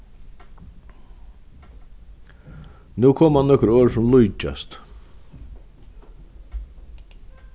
nú koma nøkur orð sum líkjast